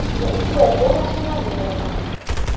Мин куәтле машинаны яратам.